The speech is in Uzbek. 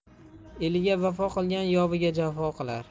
eliga vafo qilgan yoviga jafo qilar